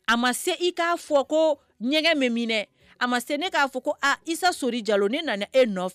A ma se i k'a fɔ ko ɲɛgɛn bɛ min dɛ, a ma se ne k'a fɔ ko Isa Sori Jalo ne nana e nɔfɛ